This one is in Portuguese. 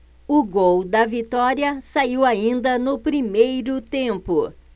o gol da vitória saiu ainda no primeiro tempo